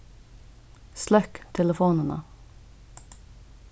sløkk telefonina